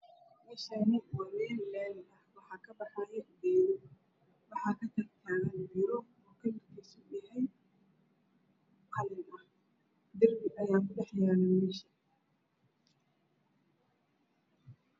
Me Shani wa meel laami eh waxa ka baxayo geedo waxa ka tag tagan miro kalar kisu uyahay qalin ah dar bi aya ku dhax yalo me sha